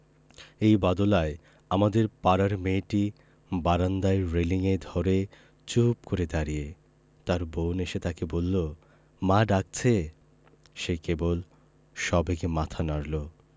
এই বাদলায় আমাদের পাড়ার মেয়েটি বারান্দায় রেলিঙে ধরে চুপ করে দাঁড়িয়ে তার বোন এসে তাকে বললো মা ডাকছে সে কেবল সবেগে মাথা নাড়ল